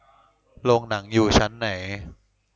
โรงหนังอยู่ชั้นไหน